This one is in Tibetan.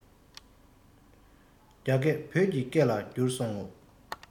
རྒྱ སྐད བོད ཀྱི སྐད ལ འགྱུར སོང ངོ